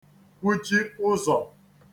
kwụchi ụzọ̀